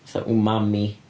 fatha umami.